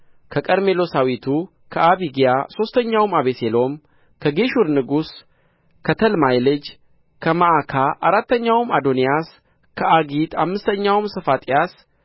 ከቀርሜሎሳዊቱ ከአቢግያ ሦስተኛው አቤሴሎም ከጌሹር ንጉሥ ከተልማይ ልጅ ከመዓካ አራተኛው አዶንያስ ከአጊት አምስተኛው ሰፋጥያስ